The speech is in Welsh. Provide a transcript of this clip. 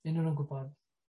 Unrywun yn gwbod?